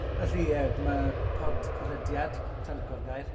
Felly, yy dyma podlediad. Sa i'n lico'r gair.